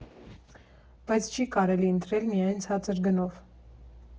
Բայց չի կարելի ընտրել միայն ցածր գնով։